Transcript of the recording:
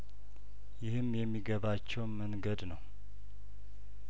ይህም የሚገባቸው መንገድ ነው